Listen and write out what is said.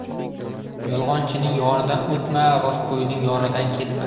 yolg'onchining yonidan o'tma rostgo'yning yonidan ketma